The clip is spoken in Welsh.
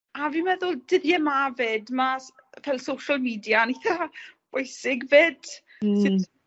a fi meddwl dyddie 'ma fyd ma' s- ffel social media yn itha bwysig 'fyd. Hmm. Sut